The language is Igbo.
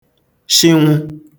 shịnwụ